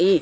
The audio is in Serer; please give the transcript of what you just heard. i